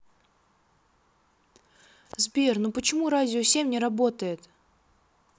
сбер ну почему радио семь не работает